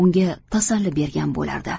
unga tasalli bergan bo'lardi